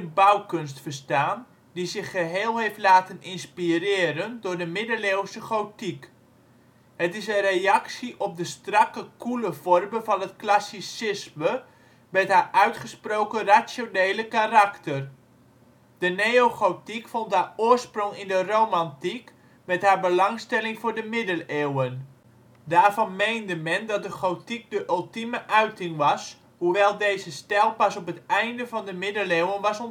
bouwkunst verstaan die zich geheel heeft laten inspireren door de middeleeuwse gotiek. Het is een reactie op de strakke, koele vormen van het classicisme met haar uitgesproken rationele karakter. De neogotiek vond haar oorsprong in de romantiek met haar belangstelling voor de middeleeuwen. Daarvan meende men dat de gotiek de ultieme uiting was, hoewel deze stijl pas op het einde van de middeleeuwen was